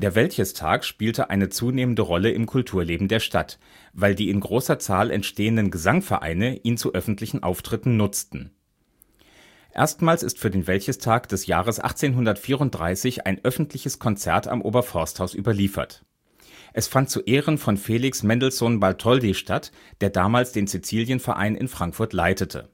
Wäldchestag spielte eine zunehmende Rolle im Kulturleben der Stadt, weil die in großer Zahl entstehenden Gesangvereine ihn zu öffentlichen Auftritten nutzten. Erstmals ist für den Wäldchestag des Jahres 1834 ein öffentliches Konzert am Oberforsthaus überliefert. Es fand zu Ehren von Felix Mendelssohn Bartholdy statt, der damals den Cäcilienverein in Frankfurt leitete